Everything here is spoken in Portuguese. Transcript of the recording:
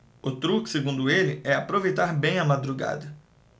o truque segundo ele é aproveitar bem a madrugada